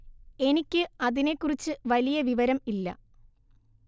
എനിക്ക് അതിനെ കുറിച്ച് വലിയ വിവരം ഇല്ല